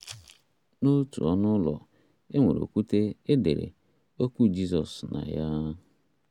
N'otu ọnụ ụlọ, e nwere okwute e dere okwu Jizọs na ya.